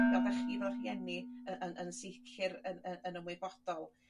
fel fel chi fel rhieni y- yn yn sicir yn yrr yn ymwybodol.